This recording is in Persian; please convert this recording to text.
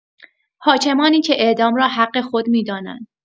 حاکمانی که اعدام را حق خود می‌دانند